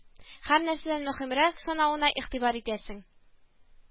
Һәр нәрсәдән мөһимрәк санавына игътибар итәсең